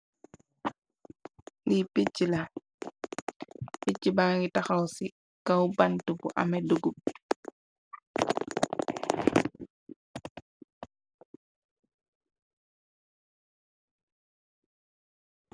Le picgi la picc ba ngi taxaw ci kaw bant bu ame dugub.